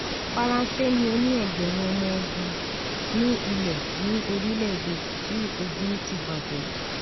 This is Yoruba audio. Faranse ni o ni ẹgbẹrun ọmọ ogun ni ilẹ ni orílẹ̀-èdè ti ogun ti bajẹ.